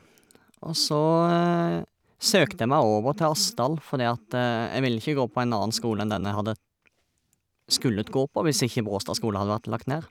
Og så søkte jeg meg over til Asdal, fordi at jeg ville ikke gå på en annen skole enn den jeg hadde skullet gå på hvis ikke Bråstad skole hadde vært lagt ned.